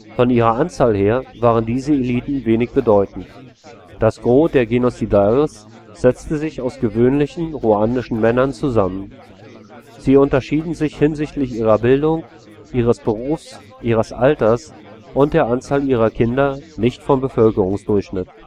Von ihrer Anzahl her waren diese Eliten wenig bedeutend. Das Gros der Génocidaires setzte sich aus gewöhnlichen ruandischen Männern zusammen. Sie unterschieden sich hinsichtlich ihrer Bildung, ihres Berufs, ihres Alters und der Anzahl ihrer Kinder nicht vom Bevölkerungsdurchschnitt